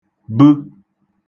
bə